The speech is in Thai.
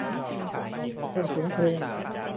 เพิ่มเสียงเพลง